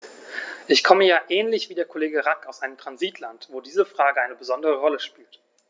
Ich komme ja ähnlich wie der Kollege Rack aus einem Transitland, wo diese Frage eine besondere Rolle spielt.